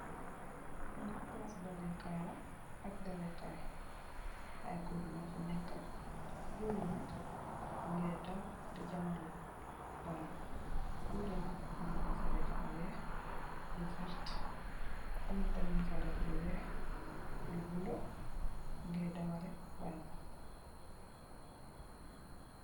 Fee nak plase bale kaye la ak dawe kaye aye goor nufe neka goor ye nak nuge daw de jamale bal be goor ye nak amna nufa def lu weex lu verte amna tamin nufa def lu weex lu bulo nuge dawale bal be.